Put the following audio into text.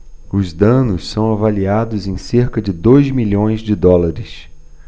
os danos são avaliados em cerca de dois milhões de dólares